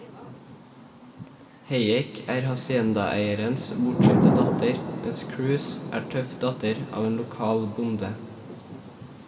Hayek er haciendaeierens bortskjemte datter, mens Cruz er tøff datter av en lokal bonde.